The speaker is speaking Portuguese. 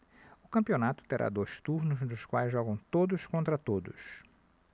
o campeonato terá dois turnos nos quais jogam todos contra todos